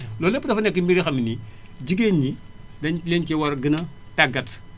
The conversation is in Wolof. loolu yépp dafa nekk mbir yoo xam ne nii jigéen ñi dañu leen si war a gën a tàggat